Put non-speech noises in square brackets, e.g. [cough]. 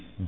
[hesitation] [hesitation]